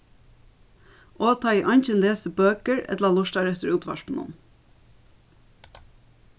og tá ið eingin lesur bøkur ella lurtar eftir útvarpinum